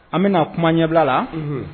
An bɛna kuma ɲɛbila la